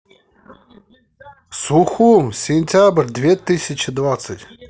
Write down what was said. сухум сентябрь две тысячи двадцать